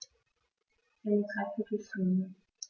Eine dreiviertel Stunde